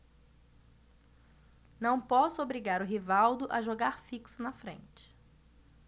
não posso obrigar o rivaldo a jogar fixo na frente